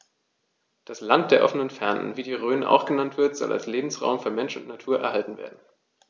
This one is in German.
Das „Land der offenen Fernen“, wie die Rhön auch genannt wird, soll als Lebensraum für Mensch und Natur erhalten werden.